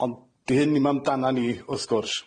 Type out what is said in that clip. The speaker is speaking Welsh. ond 'di hyn 'im amdanan ni, wrth gwrs.